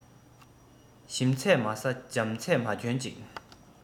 ཞིམ ཚད མ ཟ འཇམ ཚད མ གྱོན ཅིག